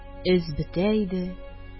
Эз бетә иде